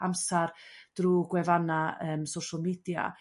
amsar drw' gwefanna' yrm social media.